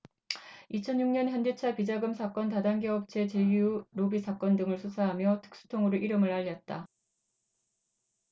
이천 육 년 현대차 비자금 사건 다단계 업체 제이유 로비 사건 등을 수사하며 특수통으로 이름을 알렸다